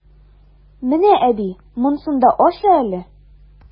Менә, әби, монсын да аша әле!